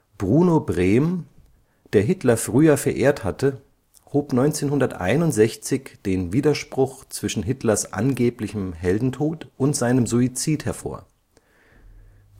Bruno Brehm, der Hitler früher verehrt hatte, hob 1961 den Widerspruch zwischen Hitlers angeblichem Heldentod und seinem Suizid hervor: „ So